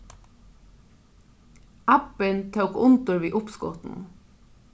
abbin tók undir við uppskotinum